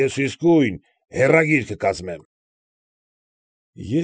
Ես իսկույն հեռագիր կկազմեմ։